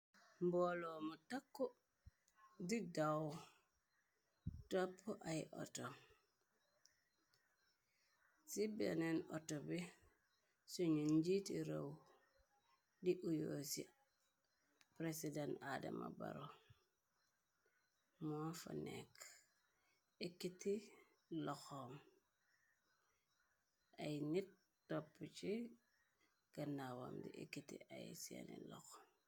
Mbooloo mu takku, di daw toppu ay ooto, ci beneen ooto bi suñu njiiti rëw di uyo ci Presiden Adama Baro, moo fa nekk ekiti loxom, ay nit topp ci gannaawam di ekiti ay seeni loxo.